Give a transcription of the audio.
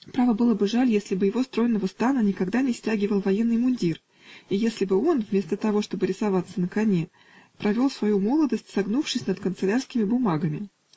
Право было бы жаль, если бы его стройного стана никогда не стягивал военный мундир, и если бы он, вместо того чтобы рисоваться на коне, провел свою молодость, согнувшись над канцелярскими бумагами.